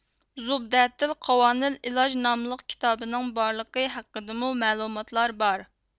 زۇبدەتىل قاۋانىل ئىلاج ناملىق كىتابىنىڭ بارلىقى ھەققىدىمۇ مەلۇماتلار بار